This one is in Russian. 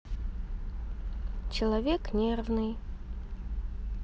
человек нервный